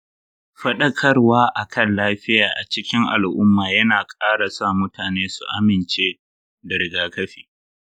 fadakarwa akan lafiya a cikin al'umma yana ƙara sa mutane su amince da rigakafi.